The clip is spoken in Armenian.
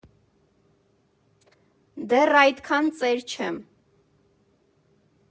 Դեռ այդքան ծեր չեմ։